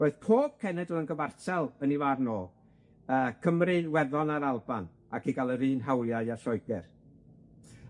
Roedd pob cenedl yn gyfartal yn ei farn o yy Cymru, Iwerddon a'r Alban, ac i ga'l yr un hawliau a Lloeger.